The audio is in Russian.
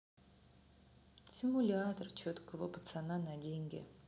симулятор четкого пацана на деньги